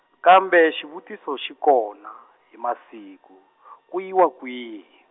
kambe xivutiso xi kona, hi masiku , ku yiwa kwihi?